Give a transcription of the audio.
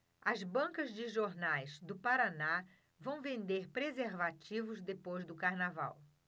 as bancas de jornais do paraná vão vender preservativos depois do carnaval